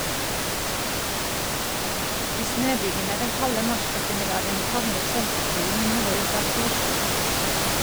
I snøbygene den kalde mars-ettermiddagen havnet kjempefuglen noe ut av kurs.